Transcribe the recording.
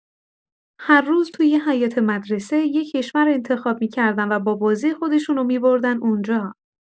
هر روز توی حیاط مدرسه، یه کشور انتخاب می‌کردن و با بازی خودشونو می‌بردن اونجا.